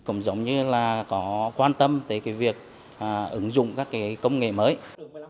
cũng giống như là có quan tâm tới việc hà ứng dụng các nghề công nghệ mới